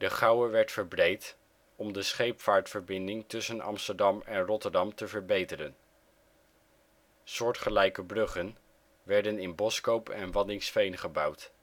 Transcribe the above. Gouwe werd verbreed om de scheepvaartverbinding tussen Amsterdam en Rotterdam te verbeteren. Soortgelijke bruggen werden in Boskoop en Waddinxveen gebouwd